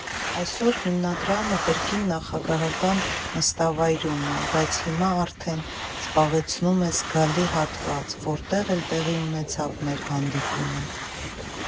Այսօր հիմնադրամը կրկին նախագահական նստավայրում է, բայց հիմա արդեն զբաղեցնում է զգալի հատված, որտեղ էլ տեղի ունեցավ մեր հանդիպումը։